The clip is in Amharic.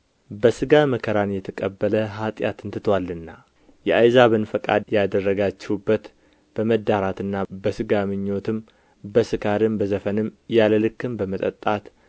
በሥጋ መከራን የተቀበለ ኃጢአትን ትቶአልና የአሕዛብን ፈቃድ ያደረጋችሁበት በመዳራትና በሥጋ ምኞትም በስካርም በዘፈንም ያለ ልክም በመጠጣት